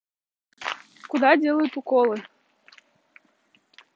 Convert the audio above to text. куда делают уколы